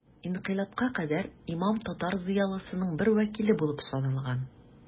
Инкыйлабка кадәр имам татар зыялысының бер вәкиле булып саналган.